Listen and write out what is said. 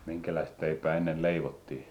minkälaista leipää ennen leivottiin